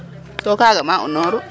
so kaga ma unoru